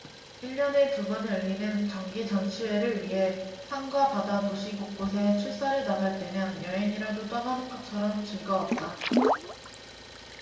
일 년에 두 번 열리는 정기 전시회를 위해 산과 바다 도시 곳곳에 출사를 나갈 때면 여행이라도 떠나는 것처럼 즐거웠다